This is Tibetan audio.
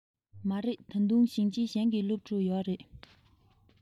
མ རེད ད དུང ཞིང ཆེན གཞན གྱི སློབ ཕྲུག ཡོད རེད